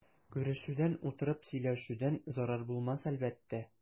Күрешүдән, утырып сөйләшүдән зарар булмас әлбәттә.